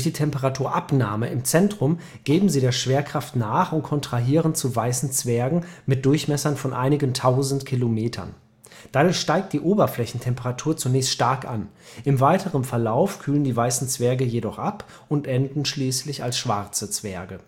Temperaturabnahme im Zentrum geben sie der Schwerkraft nach und kontrahieren zu Weißen Zwergen mit Durchmessern von einigen tausend Kilometern. Dadurch steigt die Oberflächentemperatur zunächst stark an. Im weiteren Verlauf kühlen die Weißen Zwerge jedoch ab und enden schließlich als Schwarze Zwerge